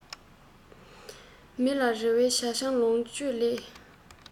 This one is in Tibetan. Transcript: མི ལ རེ བའི ཇ ཆང ལོངས སྤྱོད ལས